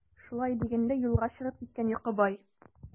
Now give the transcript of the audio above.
Шулай дигән дә юлга чыгып киткән Йокыбай.